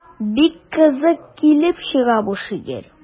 Бик кызык килеп чыга бу шигырь.